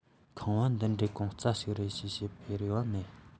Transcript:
ཁང བ འདི འདྲའི གོང རྩ ཞིག རེད ཞེས བཤད པའི རེ བ མེད